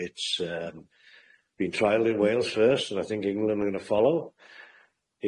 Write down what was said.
S- it's yy been trialed in Wales first and I think England are gonna follow.